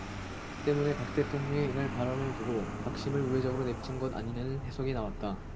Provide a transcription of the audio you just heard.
때문에 박 대통령의 이날 발언을 두고 박심 을 우회적으로 내비친 것 아니냐는 해석이 나왔다